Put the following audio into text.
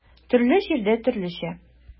Төрле җирдә төрлечә.